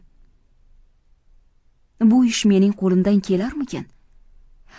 bu ish mening qo'limdan kelarmikin